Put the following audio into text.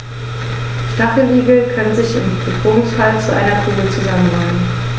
Stacheligel können sich im Bedrohungsfall zu einer Kugel zusammenrollen.